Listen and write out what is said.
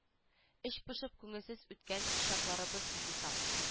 Эч пошып күңелсез үткән чакларыбыз бихисап